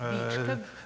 Beach Club.